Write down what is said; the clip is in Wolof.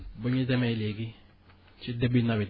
ba ñu demee léegi ci début nawet bi